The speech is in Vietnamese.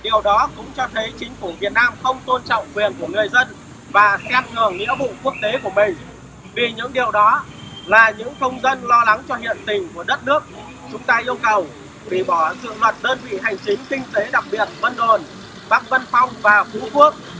điều đó cũng cho thấy chính phủ việt nam không tôn trọng quyền của người dân và xem thường nghĩa vụ quốc tế của mình vì những điều đó là những công dân lo lắng cho hiện tình của đất nước chúng ta yêu cầu hủy bỏ trừng phạt đơn vị hành chính kinh tế đặc biệt vân đồn bắc vân phong và phú quốc